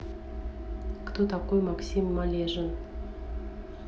кто такой максим малежин